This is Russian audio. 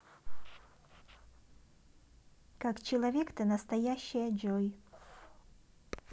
как человек ты настоящая джой